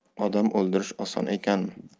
odam o'ldirish oson ekanmi